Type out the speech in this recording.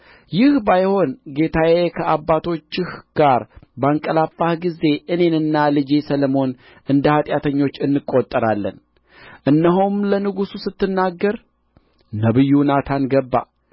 ይህ ባይሆን ጌታዬ ከአባቶችህ ጋር ባንቀላፋህ ጊዜ እኔና ልጄ ሰሎሞን እንደ ኃጢአተኞች እንቈጠራለን እነሆም ለንጉሡ ስትናገር ነቢዩ ናታን ገባ